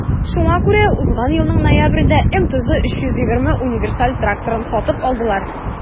Шуңа күрә узган елның ноябрендә МТЗ 320 универсаль тракторын сатып алдылар.